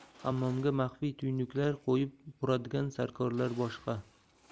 hammomga maxfiy tuynuklar qo'yib quradigan sarkorlar boshqa